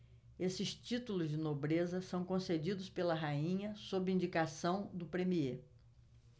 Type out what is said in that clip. esses títulos de nobreza são concedidos pela rainha sob indicação do premiê